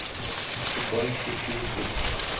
тупая включи ютуб